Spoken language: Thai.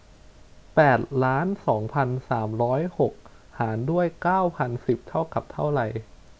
แปดล้านสองพันสามร้อยหกหารด้วยเก้าพันสิบเท่ากับเท่าไร